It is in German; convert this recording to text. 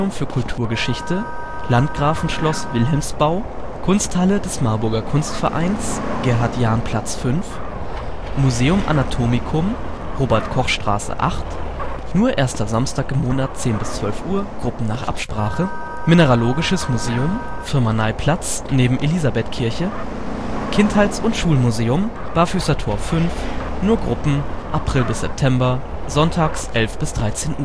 für Kulturgeschichte, Landgrafenschloss Wilhelmsbau Kunsthalle des Marburger Kunstvereins, Gerhard-Jahn-Platz 5 Museum Anatomicum, Robert-Koch-Str. 8 (nur 1. Samstag im Monat 10-12 Uhr, Gruppen n. Absprache) Mineralogisches Museum, Firmaneiplatz (neben Elisabethkirche) Kindheits - und Schulmuseum, Barfüßertor 5 (nur Gruppen, April-September, So 11-13 Uhr